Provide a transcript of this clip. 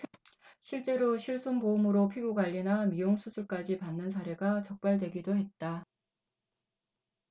실제로 실손보험으로 피부관리나 미용 수술까지 받는 사례가 적발되기도 했다